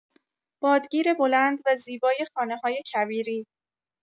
بادگیر بلند و زیبای خانه‌های کویری